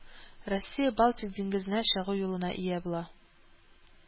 Россия Балтик диңгезенә чыгу юлына ия була